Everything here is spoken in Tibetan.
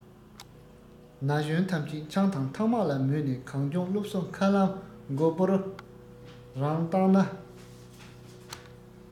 ན གཞོན ཐམས ཅན ཆང དང ཐ མག ལ མོས ནས གངས ལྗོངས སློབ གསོ མཁའ ལམ མགོ པོར རང བཏང ན